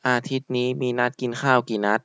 อาทิตย์นี้มีนัดกินข้าวกี่นัด